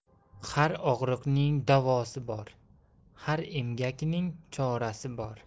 har og'riqning davosi bor har emgakning chorasi bor